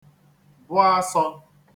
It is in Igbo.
bụ asọ̄